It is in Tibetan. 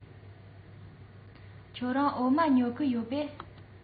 ཁྱེད རང འོ མ ཉོ གི ཡོད པས